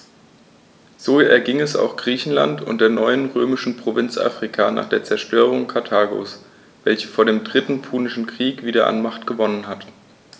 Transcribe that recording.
So erging es auch Griechenland und der neuen römischen Provinz Afrika nach der Zerstörung Karthagos, welches vor dem Dritten Punischen Krieg wieder an Macht gewonnen hatte.